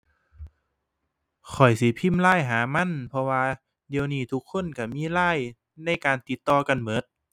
ข้อยสิพิมพ์ LINE หามัน เพราะว่า เดี๋ยวนี้ทุกคนก็มี LINE ในการติดต่อกันก็